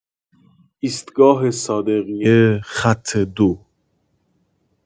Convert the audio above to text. ایستگاه صادقیه، خط ۲.